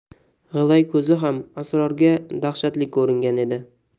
g'ilay ko'zi ham asrorga daxshatli ko'ringan edi